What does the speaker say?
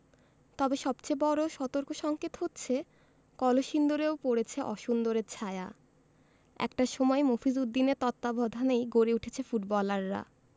তবে সবচেয়ে বড় সতর্কসংকেত হচ্ছে কলসিন্দুরেও পড়েছে অসুন্দরের ছায়া একটা সময় মফিজ উদ্দিনের তত্ত্বাবধানেই গড়ে উঠেছে ফুটবলাররা